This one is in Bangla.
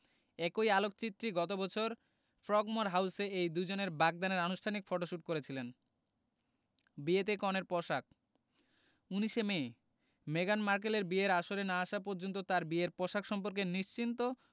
একই আলোকচিত্রী গত বছর ফ্রোগমোর হাউসে এই দুজনের বাগদানের আনুষ্ঠানিক ফটোশুট করেছিলেন বিয়েতে কনের পোশাক ১৯ সে মে মেগান মার্কেলের বিয়ের আসরে না আসা পর্যন্ত তাঁর বিয়ের পোশাক সম্পর্কে নিশ্চিন্ত